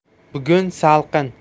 bugun salqin